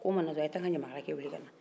ko mana na a' ya taa n ka ɲamakalakɛ wele ka na